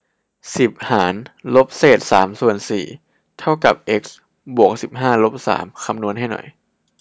สิบหารลบเศษสามส่วนสี่เท่ากับเอ็กซ์บวกสิบห้าลบสามคำนวณให้หน่อย